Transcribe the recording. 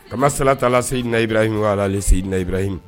A salatalase nayibra in ɲɔgɔnse nayibra in